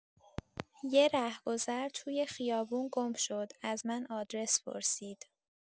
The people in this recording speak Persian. یه رهگذر توی خیابون گم شد، از من آدرس پرسید.